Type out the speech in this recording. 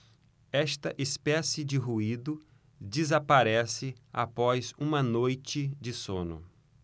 esta espécie de ruído desaparece após uma noite de sono